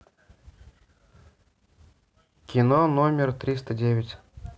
кино номер триста девять